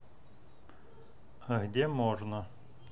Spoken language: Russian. а где можно